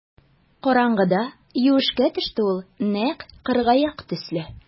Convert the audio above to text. Караңгыда юешкә төште ул нәкъ кыргаяк төсле.